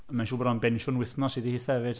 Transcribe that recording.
Mae'n siŵr bod o'n bensiwn wythnos iddi hitha hefyd.